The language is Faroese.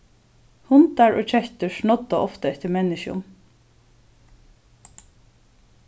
hundar og kettur snodda ofta eftir menniskjum